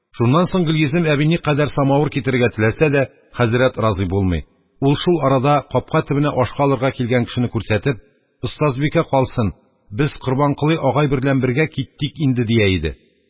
Шуннан соң Гөлйөзем әби никадәр самавыр китерергә теләсә дә, хәзрәт разый булмый, ул шул арада капка төбенә ашка алырга килгән кешене күрсәтеп: – Остазбикә калсын, без Корбанколый агай берлән бергә китик инде, – дия иде